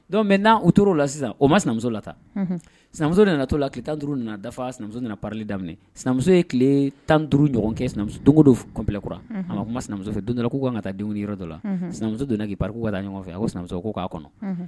Dɔnku mɛ na u tora la sisan o ma sinamuso la tan sinamuso nana to la ki tan duuru nana dafa sinamuso nana pali daminɛ sinamuso ye tile tan duuru ɲɔgɔn kɛmuso don kɔnplɛkura a ma kuma sinamuso don dɔrɔn k'u kan ka taa yɔrɔ dɔ la sinamuso donna k'iri ka taa ɲɔgɔn fɛ ko sinamuso k ko k'a kɔnɔ